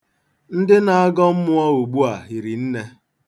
Ndị na-agọ mmụọ ugbua hiri nne.